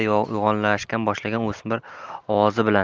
yo'g'onlasha boshlagan o'smir ovozi bilan